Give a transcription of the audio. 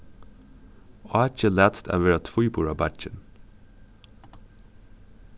áki lætst at vera tvíburabeiggin